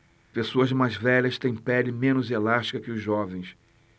pessoas mais velhas têm pele menos elástica que os jovens